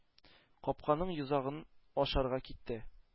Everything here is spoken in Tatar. Капканың йозагын ачарга китте.